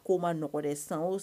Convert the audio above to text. Ko ma nɔgɔ dɛ san